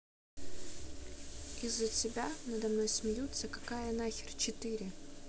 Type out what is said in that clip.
из за тебя надо мной смеются какая нахер четыре